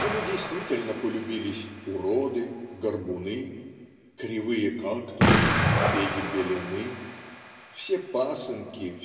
ему действительно полюбились уроды горбуны "кривые кактусы побеги белены" все пасынки